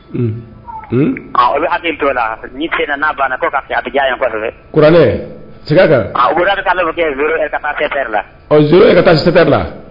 A la ni sen n'a banna yan k la taa la